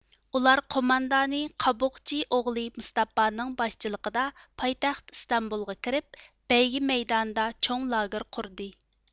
ئۇلار قوماندانى قاپۇغچى ئوغلى مۇستاپانىڭ باشچىلىقىدا پايتەخت ئىستانبۇلغا كىرىپ بەيگە مەيدانىدا چوڭ لاگېر قۇردى